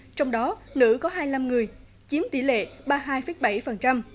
trong đó nữ có hai lăm người chiếm tỷ lệ ba hai phẩy bảy phần trăm